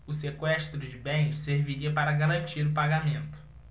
o sequestro de bens serviria para garantir o pagamento